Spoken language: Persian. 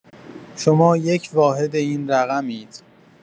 شما یک واحد این رقم‌اید.